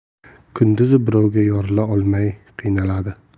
kunduzi birovga yorila olmay qiynaladi